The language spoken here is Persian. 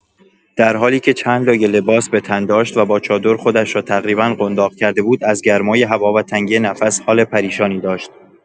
در حالی که چندلایه لباس‌به‌تن داشت و با چادر خودش را تقریبا قنداق کرده بود، از گرمای هوا و تنگی نفس حال پریشانی داشت.